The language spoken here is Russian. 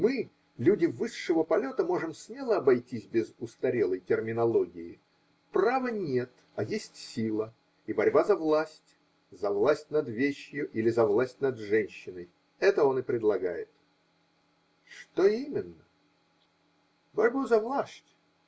Мы, люди высшего полета, можем смело обойтись без устарелой терминологии: права нет, а есть сила, и борьба за власть -- за власть над вещью или за власть над женщиной. Это он и предлагает. -- Что именно? -- Борьбу за власть.